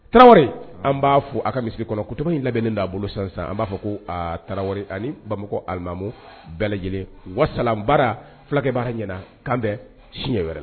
Taraweleri an b'a fɔ a ka misi kɔnɔ ko tɔgɔ in labɛnnen'a bolo san an b'a fɔ ko tarawele ani bamakɔ alimamu bɛɛ lajɛlen wasa baara fulakɛ b' ɲɛna kan siɲɛ wɛrɛ